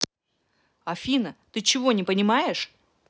афина ты чего не понимаешь